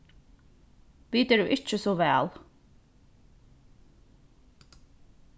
vit eru ikki so væl